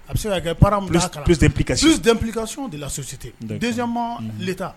A bɛ se ka kɛ parents w bila plus d’implication de la société, d'accord, deuxièmement l’Etat